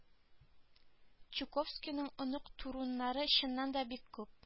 Чуковскийның онык-туруннары чыннан да бик күп